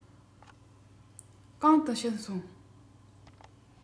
གང དུ ཕྱིན སོང